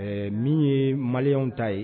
Min ye maliw ta ye